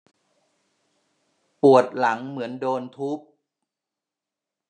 ปวดหลังเหมือนโดนทุบ